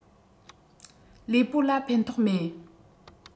ལུས པོ ལ ཕན ཐོགས མེད